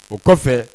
O kɔfɛ